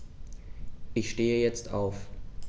Ich stehe jetzt auf.